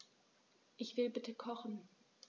Ich will bitte kochen.